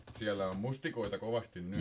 siellä on mustikoita kovasti nyt